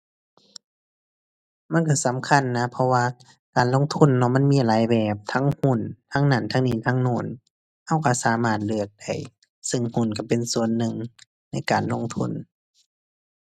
มันก็สำคัญนะ เพราะว่าการลงทุนเนาะ มันมีหลายแบบ ทั้งหุ้น ทั้งนั้น ทั้งนี้ ทั้งโน้น ก็ก็สามารถเลือกได้ ซึ่งหุ้นก็เป็นส่วนหนึ่งในการลงทุน